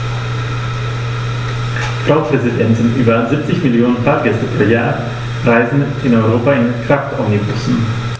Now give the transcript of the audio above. Frau Präsidentin, über 70 Millionen Fahrgäste pro Jahr reisen in Europa mit Kraftomnibussen.